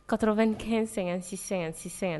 95 56 56 55